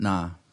Na.